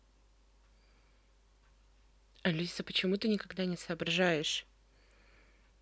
алиса почему ты никогда не соображаешь